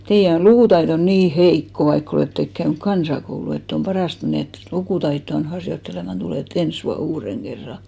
teidän on lukutaitonne niin heikko vaikka olette käynyt kansakoulun että on parasta että menette lukutaitoanne harjoittelemaan tulette ensi vuonna uuden kerran